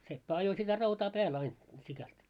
seppä ajoi sitä rautaa päälle aina sikälti